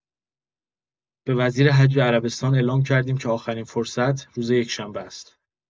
به وزیر حج عربستان اعلام کردیم که آخرین فرصت، روز یکشنبه است.